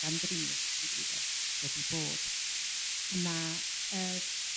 gam driniaeth difrifol wedi bod a ma' yrr